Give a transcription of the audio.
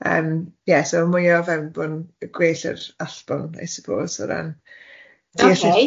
Yym ie so mae mwy o fewnbwn gwell yr allbwn I suppose o ran... Ok.